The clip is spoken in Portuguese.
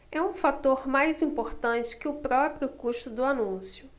é um fator mais importante que o próprio custo do anúncio